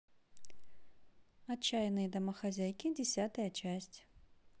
отчаянные домохозяйки десятая часть